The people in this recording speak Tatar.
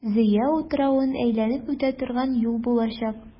Зөя утравын әйләнеп үтә торган юл булачак.